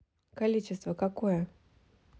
количество какое